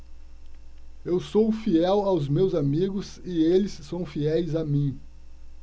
eu sou fiel aos meus amigos e eles são fiéis a mim